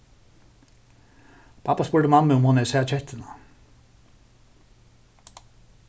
babba spurdi mammu um hon hevði sæð kettuna